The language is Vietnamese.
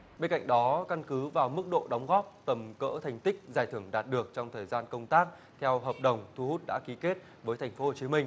bên cạnh đó căn cứ vào mức độ đóng góp tầm cỡ thành tích giải thưởng đạt được trong thời gian công tác theo hợp đồng thu hút đã ký kết với thành phố hồ chí minh